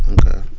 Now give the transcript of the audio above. ANCAR